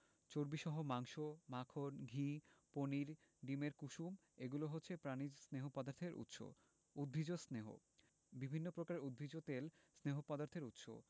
চর্বিসহ মাংস মাখন ঘি পনির ডিমের কুসুম এগুলো হচ্ছে প্রাণিজ স্নেহ পদার্থের উৎস উদ্ভিজ্জ স্নেহ বিভিন্ন প্রকারের উদ্ভিজ তেল স্নেহ পদার্থের উৎস